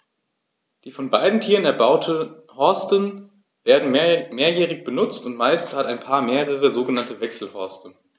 Die von beiden Tieren erbauten Horste werden mehrjährig benutzt, und meist hat ein Paar mehrere sogenannte Wechselhorste.